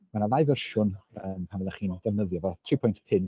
Mae 'na ddau fersiwn pan fydda chi'n ddefnyddio fo tri pwynt pump.